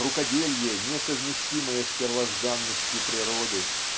рукоделье, несовместимое с первозданностью природы.